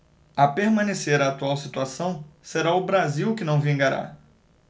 a permanecer a atual situação será o brasil que não vingará